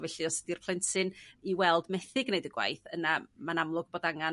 felly os ydi'r plentyn i weld methu g'neud y gwaith yna me'n amlwg bod angen